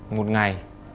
một ngày